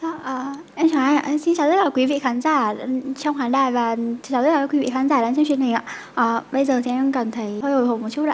dạ em chào anh ạ em xin chào tất cả các quý vị khán giả trong khán đài và xin chào tất cả các quý vị khán giả đang xem truyền hình ạ bây giờ thì em cảm thấy hơi hồi hộp một chút ạ